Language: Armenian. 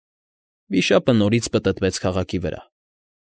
Վիշապը նորից պտտվեց քաղաքի վրա։